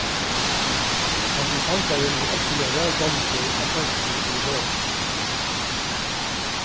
hasin sangarin er ógvuliga væl dámdur av fólki yvirhøvur